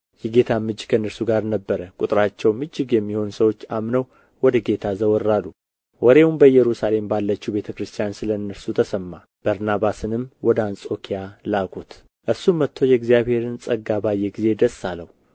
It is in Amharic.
የጌታም እጅ ከእነርሱ ጋር ነበረ ቍጥራቸውም እጅግ የሚሆን ሰዎች አምነው ወደ ጌታ ዘወር አሉ ወሬውም በኢየሩሳሌም ባለችው ቤተ ክርስቲያን ስለ እነርሱ ተሰማ በርናባስንም ወደ አንጾኪያ ላኩት እርሱም መጥቶ የእግዚአብሔርን ጸጋ ባየ ጊዜ ደስ አለው